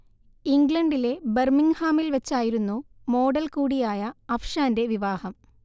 ഇംഗ്ലണ്ടിലെ ബർമിങ്ഹാമിൽ വെച്ചായിരുന്നു മോഡൽ കൂടിയായ അഫ്ഷാന്റെ വിവാഹം